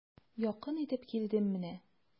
Якын итеп килдем менә.